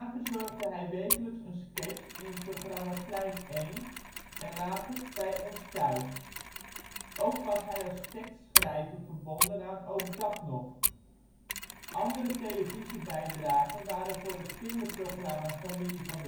verzorgde hij wekelijks een sketch in het programma Plein 1 en later Bij ons Thuis. Ook was hij als tekstschrijver verbonden aan Ook dat nog!. Andere televisiebijdragen waren voor het kinderprogramma Familie van